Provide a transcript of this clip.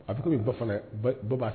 A bɛ ko bɛ ba fana baba ba